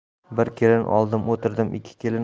bir kelin oldim o'tirdim ikki kelin